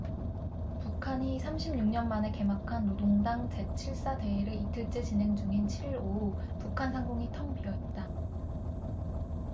북한이 삼십 육 년 만에 개막한 노동당 제 칠 차 대회를 이틀 째 진행 중인 칠 일 오후 북한 상공이 텅 비어 있다